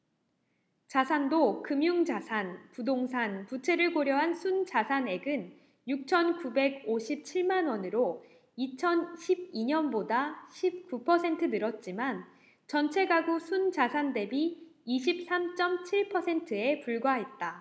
자산도 금융자산 부동산 부채를 고려한 순자산액은 육천 구백 오십 칠 만원으로 이천 십 이 년보다 십 구 퍼센트 늘었지만 전체가구 순자산 대비 이십 삼 쩜 칠 퍼센트에 불과했다